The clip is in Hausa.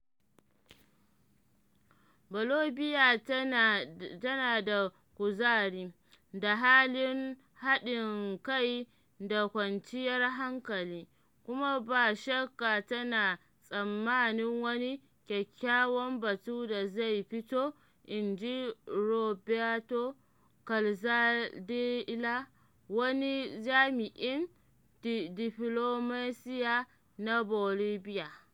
"Bolivia tana da kuzari, da halin haɗin kai da kwanciyar hankali, kuma ba shakka tana tsammanin wani kyakkyawan batu da zai fito,” inji Roberto Calzadilla, wani jami’in diflomasiyya na Bolivia.